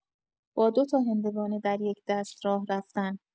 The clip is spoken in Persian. با دوتا هندوانه در یک دست راه‌رفتن